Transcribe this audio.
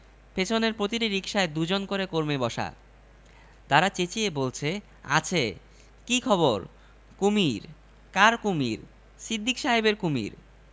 পেছনের প্রতিটি রিকশায় দু জন করে কর্মী বসা তাঁরা চেঁচিয়ে বলছে আছে কি খবর কুমীর কার কুমীর সিদ্দিক সাহেবের কুমীর